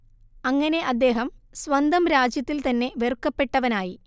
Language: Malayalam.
അങ്ങനെ അദ്ദേഹം സ്വന്തം രാജ്യത്തിൽ തന്നെ വെറുക്കപ്പെട്ടവനായി